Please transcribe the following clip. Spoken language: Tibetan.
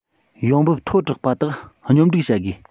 ཡོང འབབ མཐོ དྲགས པ དག སྙོམས སྒྲིག བྱ དགོས